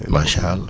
macha alla